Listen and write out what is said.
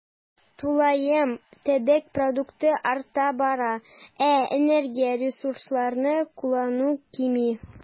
Тулаем төбәк продукты арта бара, ә энергия, ресурсларны куллану кими.